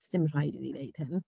'Sdim rhaid i fi wneud hyn.